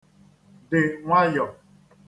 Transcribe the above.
-dị̀ nwayọ̀